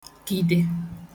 gide